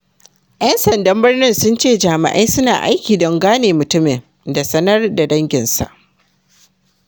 ‘Yan sandan Birni sun ce jami’ai suna aiki don gane mutumin da sanar da danginsa.